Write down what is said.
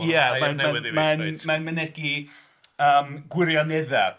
Ie mae'n... ... Mae'n mynegi yym gwirioneddau.